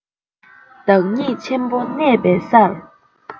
བདག ཉིད ཆེན པོ གནས པའི སར